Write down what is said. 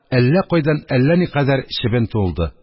Әллә кайдан әллә никадәр чебен тулды